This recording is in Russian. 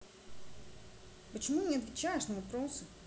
почему не отвечаешь на вопросы